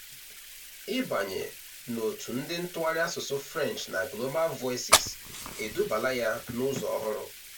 Ịbanye n'òtù ndị ntụgharị asụsụ French na Global Voices edubala ya n'ụzọ ọhụrụ.